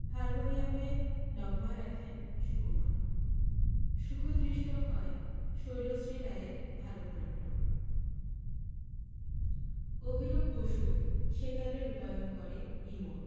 হারমোনিয়ামে নগমা রাখেন সুকুমার সুখদৃষ্ট হয় শৈলশ্রী রায়ের ভারতনাট্যম অভিরূপ বসু সেতারে রূপায়ণ করে ইমন